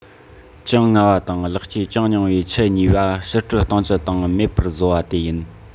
ཅུང སྔ བ དང ལེགས བཅོས ཅུང ཉུང བའི ཁྱུ གཉིས པ ཕྱིར སྐྲོད གཏོང རྒྱུ དང མེད པར བཟོ བ དེ ཡིན